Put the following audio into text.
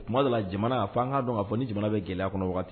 Kuma dɔla jamana fo an ka dɔn ka fɔ ni jamana bɛ gɛlɛya kɔnɔ wagati